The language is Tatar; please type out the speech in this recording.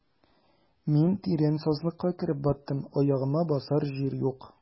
Мин тирән сазлыкка кереп баттым, аягыма басар җир юк.